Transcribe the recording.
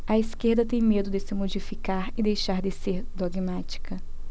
a esquerda tem medo de se modificar e deixar de ser dogmática